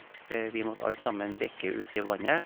Vi måtte alle sammen bikke uti vannet.